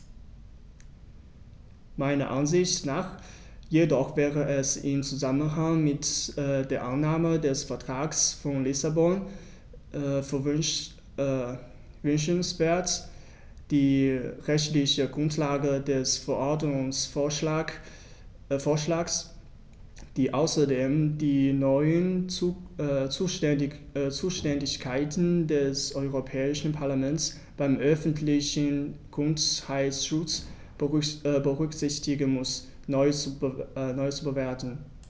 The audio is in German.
Meiner Ansicht nach jedoch wäre es im Zusammenhang mit der Annahme des Vertrags von Lissabon wünschenswert, die rechtliche Grundlage des Verordnungsvorschlags, die außerdem die neuen Zuständigkeiten des Europäischen Parlaments beim öffentlichen Gesundheitsschutz berücksichtigen muss, neu zu bewerten.